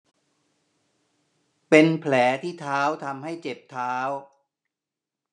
เป็นแผลที่เท้าทำให้เจ็บเท้า